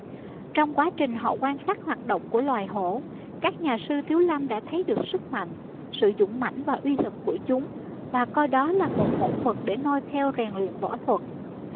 trong quá trình họ quan sát hoạt động của loài hổ các nhà sư thiếu lâm đã thấy được sức mạnh sự dũng mãnh và uy lực của chúng và coi đó là một mẫu mực để noi theo rèn luyện võ thuật